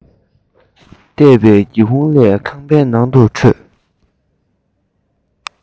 གཏད པའི སྒེའུ ཁུང ལས ཁང པའི ནང དུ འཕྲོས